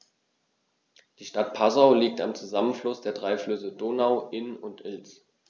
Die Stadt Passau liegt am Zusammenfluss der drei Flüsse Donau, Inn und Ilz.